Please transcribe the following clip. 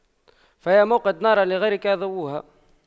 فيا موقدا نارا لغيرك ضوؤها